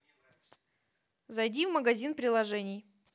зайди в магазин приложений